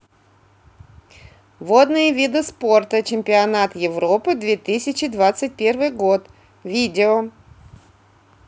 водные виды спорта чемпионат европы две тысячи двадцать первый год видео